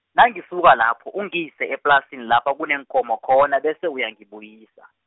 nangisuka lapho ungise ngeplasini lapha kuneenkomo khona bese uyangibuyisa.